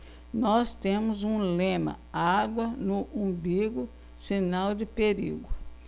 nós temos um lema água no umbigo sinal de perigo